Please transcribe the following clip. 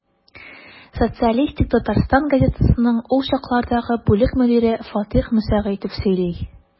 «социалистик татарстан» газетасының ул чаклардагы бүлек мөдире фатыйх мөсәгыйтов сөйли.